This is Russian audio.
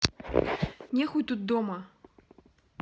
нехуй тут дома